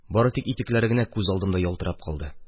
Бары тик итекләре генә күз алдымда ялтырап калды.